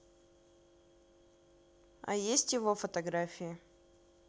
а есть его фотографии